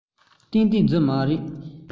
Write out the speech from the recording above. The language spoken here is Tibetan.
ཏན ཏན རྫུན མ རེད